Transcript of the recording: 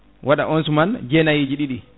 waɗa on suman jeenayyiji ɗiɗi